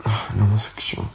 yn omosexual.